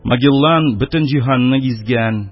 Магеллан бөтен җиһанны гизгән,